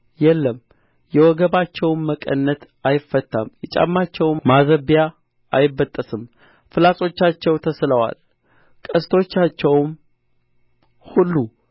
የለም የወገባቸውም መቀነት አይፈታም የጫማቸውም ማዘቢያ አይበጠስም ፍላጾቻቸው ተስለዋል ቀስቶቻቸውም ሁሉ